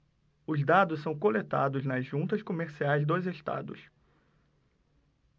os dados são coletados nas juntas comerciais dos estados